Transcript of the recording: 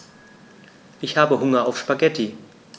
Ich habe Hunger auf Spaghetti.